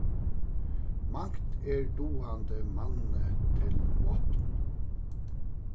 mangt er dugandi manni til vápn